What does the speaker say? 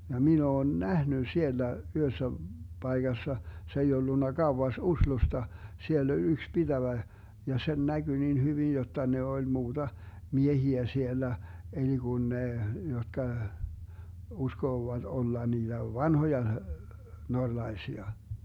ja minä olen nähnyt siellä yhdessä paikassa se ei ollut kauas Oslosta siellä oli yksi pitäjä ja sen näkyi niin hyvin jotta ne oli muuta miehiä siellä eli kun ne jotka uskovat olla niitä vanhoja norjalaisia